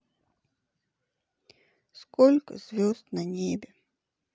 сколько звезд на небе